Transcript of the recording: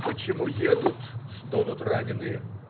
Почему едут?" - стонут раненые.